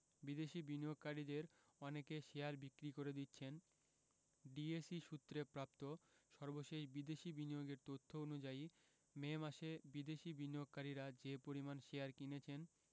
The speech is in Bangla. বিদেশি বিনিয়োগকারীদের অনেকে শেয়ার বিক্রি করে দিচ্ছেন ডিএসই সূত্রে প্রাপ্ত সর্বশেষ বিদেশি বিনিয়োগের তথ্য অনুযায়ী মে মাসে বিদেশি বিনিয়োগকারীরা যে পরিমাণ শেয়ার কিনেছেন